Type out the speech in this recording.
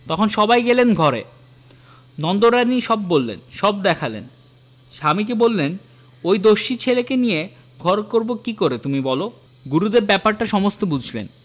তখন সবাই গেলেন ঘরে নন্দরানী সব বললেন সব দেখালেন স্বামীকে বললেন এ দস্যি ছেলেকে নিয়ে ঘর করব কি করে তুমি বল গুরুদেব ব্যাপারটা সমস্ত বুঝলেন